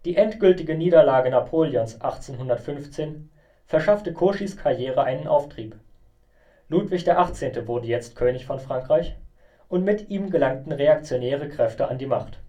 endgültige Niederlage Napoleons 1815 verschaffte Cauchys Karriere einen Auftrieb. Ludwig XVIII. wurde jetzt König von Frankreich, und mit ihm gelangten reaktionäre Kräfte an die Macht